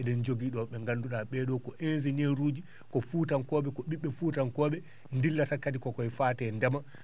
e?en jogii ɗoo ?e nganndu?aa ?ee ?oo ko ko ingénieur uji Fuutankoo?e ko ?i??e Fuutankoo?e dillata kadi koye faati e ndema